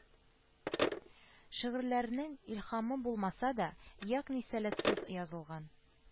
Шигырьләрнең илхамы булмасада ягъни сәләтсез язылган